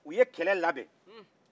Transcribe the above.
u ye kɛlɛ labɛn